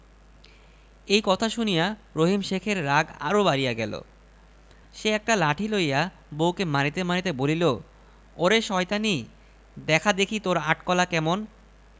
এত বেলা হইয়াছে তবু হুঁকায় পানি ভর নাই দাঁড়াও দেখাইতেছি তোমায় মজাটা এই বলিয়া সে যখন বউকে মারিতে উঠিয়াছে বউ বলিল দেখ যখনতখন তুমি আমাকে মারধর কর